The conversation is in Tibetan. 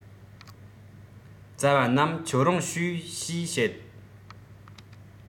ཙ བ རྣམས ཁྱེད རང བྱོས ཞེས བཤད